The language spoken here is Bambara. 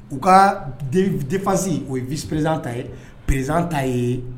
U ka defasi o ye vperezan ta ye perezsanan ta ye